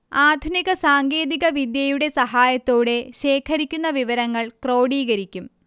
ആധുനിക സാങ്കേതിക വിദ്യയുടെ സഹായത്തോടെ ശേഖരിക്കുന്ന വിവരങ്ങൾ ക്രോഡീകരിക്കും